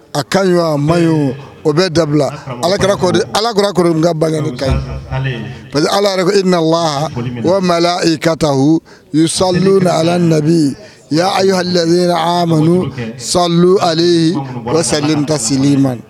A kan a may o bɛ dabila ala ala kura ka ba ta parce ala i na wa o ma kata sa alabi' lara amadu sa ali o sali selili man